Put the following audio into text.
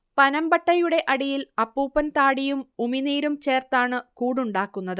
പനമ്പട്ടയുടേ അടിയിൽ അപ്പൂപ്പൻ താടിയും ഉമിനീരും ചേർത്താണ് കൂടുണ്ടാക്കുന്നത്